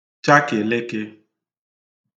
chakèlekē